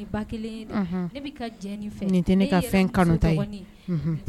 U tɛ ba kelen ye, unhun, ne bɛ ka jɛ nin fɛ, nin tɛ ne ka fɛn kanuta ye